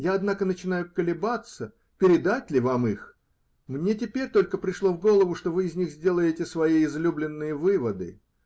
Я, однако, начинаю колебаться, передать ли вам их: мне теперь только пришло в голову, что вы из них сделаете свои излюбленные выводы.